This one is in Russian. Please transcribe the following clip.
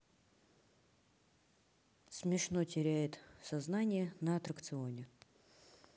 смешно теряет сознание на аттракционе